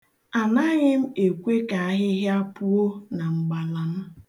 Anaghị m ekwe ka ahịhịa puo na mgbala m.